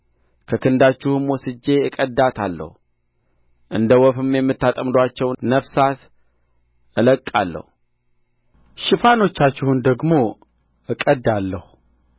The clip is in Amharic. ከክንዳችሁም ወስጄ እቀድዳታለሁ እንደ ወፍም የምታጠምዱአቸውን ነፍሳት እለቅቃለሁ ሽፋኖቻችሁን ደግሞ እቀድዳለሁ